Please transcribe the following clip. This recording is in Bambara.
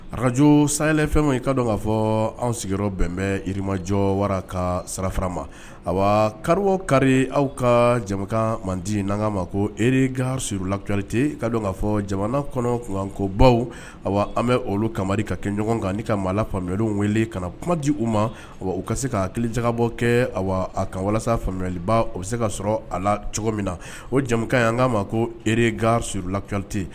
Ararakajo fɛn ye ka dɔn kaa fɔ an sigiyɔrɔ bɛn bɛ yirimajɔ wara ka sarara ma a kari kari aw ka jama man di n kaa ma ko ega surlatulite ka k kaa fɔ jamana kɔnɔ kunkan ko baw a an bɛ olu kama ka kɛ ɲɔgɔn kan maa la faamuya weele ka kuma di u ma u ka se ka ki jakabɔ kɛ a ka walasa faamuyaliba o bɛ se ka sɔrɔ a la cogo min na o jamukan ye an k'a ma ko e surlalite